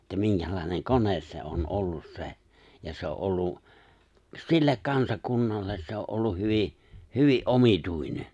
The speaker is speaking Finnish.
että minkälainen kone se on ollut se ja se on ollut sille kansakunnalle se on ollut hyvin hyvin omituinen